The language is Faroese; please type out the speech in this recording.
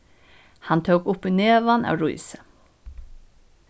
hann tók upp í nevan av rísi